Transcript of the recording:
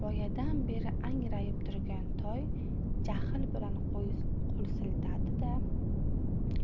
boyadan beri angrayib turgan toy jahl bilan qo'l siltadi da